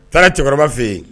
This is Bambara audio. Taa cɛkɔrɔba fɛ yen